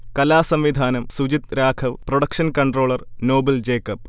കലാസംവിധാനം Sujith Raghav, production controller Noble Jacob